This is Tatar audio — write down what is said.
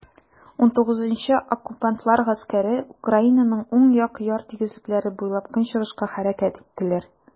XIX Оккупантлар гаскәре Украинаның уң як яр тигезлекләре буйлап көнчыгышка хәрәкәт иттеләр.